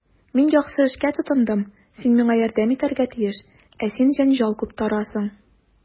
Мин яхшы эшкә тотындым, син миңа ярдәм итәргә тиеш, ә син җәнҗал куптарасың.